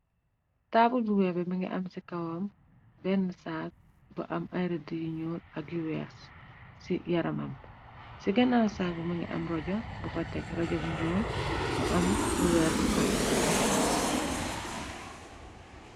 5aabu bu weex bi bëngi am ci kawam benn saac bu am ayrëdi ay ñuul ak yu weex ci yaramabb ci gënaal saac bi mëngi am rojo bu fa tek rojo bu ñuul mu am lu weex ci kote bi.